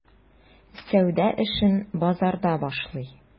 Сәүдә эшен базарда башлый.